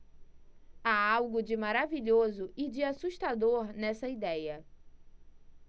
há algo de maravilhoso e de assustador nessa idéia